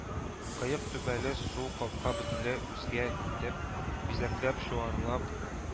Кыек түбәле сул капка бөтенләй үзгә итеп, бизәкләп-чуарлап